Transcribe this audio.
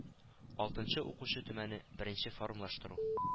Алты-нчы укчы төмәне бере-нче формалаштыру